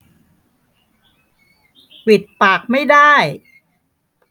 ปิดปากไม่ได้